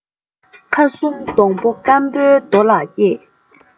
ཁ སུར སྡོང པོ སྐམ པོའི རྡོ ལ སྐྱེས